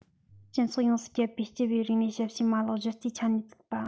སྤྱི ཚོགས ཡོངས སུ ཁྱབ པའི སྤྱི པའི རིག གནས ཞབས ཞུའི མ ལག གཞི རྩའི ཆ ནས བཙུགས པ